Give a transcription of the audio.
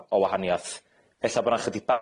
Ac oes 'na eilydd i'r cynnig?